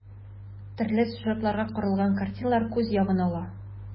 Төрле сюжетларга корылган картиналар күз явын ала.